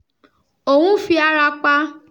Òún fi ara pa.